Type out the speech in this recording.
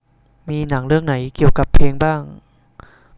มีหนังเรื่องไหนเกี่ยวกับเพลงบ้าง